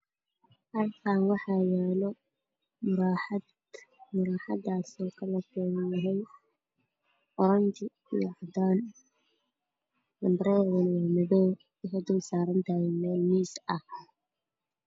Meeshaan waxaa yaalo muraaxad garage waajaalo waxaa ku jira xariiqado cagaar ah